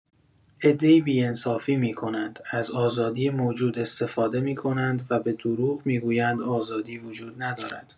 عده‌ای بی‌انصافی می‌کنند، از آزادی موجود استفاده می‌کنند و به دروغ می‌گویند آزادی وجود ندارد.